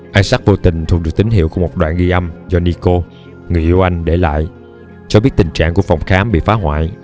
isaac vô tình thu được tín hiệu của một đoạn ghi âm do nicole người yêu anh để lại cho biết tình trạng của phòng khám bị phá hoại